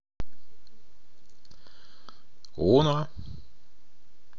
uno